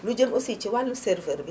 lu jëm aussi si wàllu serveur bi